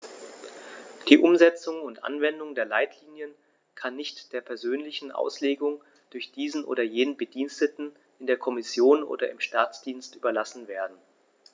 Die Umsetzung und Anwendung der Leitlinien kann nicht der persönlichen Auslegung durch diesen oder jenen Bediensteten in der Kommission oder im Staatsdienst überlassen werden.